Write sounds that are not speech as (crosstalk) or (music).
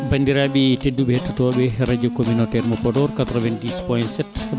(music) banndiraaɓe tedduɓe hettotooɓe radio communautaire mo Podor 90 POINT 7